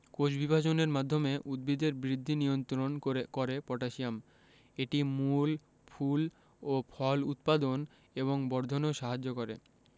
কোষবিভাজনের মাধ্যমে উদ্ভিদের বৃদ্ধি নিয়ন্ত্রণ করে করে পটাশিয়াম এটি মূল ফুল ও ফল উৎপাদন এবং বর্ধনেও সাহায্য করে